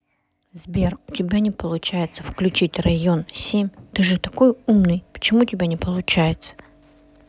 сбер у тебя не получается включить район семь ты же такой умный почему у тебя не получается